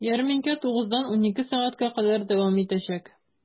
Ярминкә 9 дан 12 сәгатькә кадәр дәвам итәчәк.